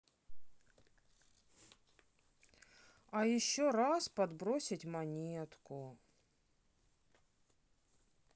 а еще раз подбрось монетку